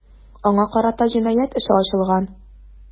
Аңа карата җинаять эше ачылган.